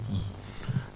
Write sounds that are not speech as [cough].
[hesitation] [hesitation]